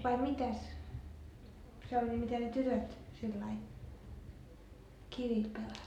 vai mitäs se oli mitä ne tytöt sillä lailla kivillä pelasi